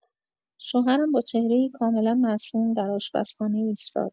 شوهرم با چهره‌ای کاملا معصوم در آشپزخانه ایستاد.